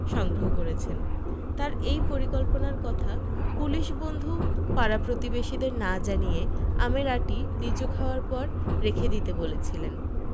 সংগ্রহ করেছেন তাঁর এই পরিকল্পনার কথা পুলিশ বন্ধু পাড়া প্রতিবেশীদের না জানিয়ে আমের আঁটি লিচু খাওয়ার পর রেখে দিতে বলেছিলেন